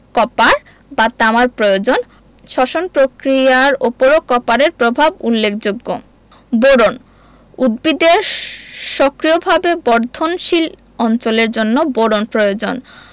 copper বা তামার প্রয়োজন শ্বসন পক্রিয়ার উপরও কপারের প্রভাব উল্লেখযোগ্য বোরন উদ্ভিদের সক্রিয়ভাবে বর্ধনশীল অঞ্চলের জন্য বোরন প্রয়োজন